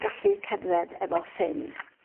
...gallu cerdded efo ffyn.